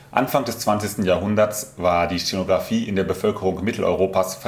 Anfang des 20. Jahrhunderts war die Stenografie in der Bevölkerung Mitteleuropas